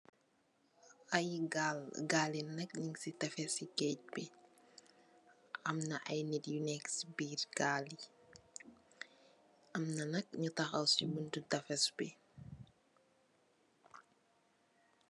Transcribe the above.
Ai gal nu nekasi tefesi gage bi. Am na ai nit yu neka si birr gal bi, am na nak ngu tahaw si tefes bi.